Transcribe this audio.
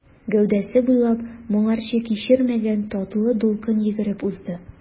Гәүдәсе буйлап моңарчы кичермәгән татлы дулкын йөгереп узды.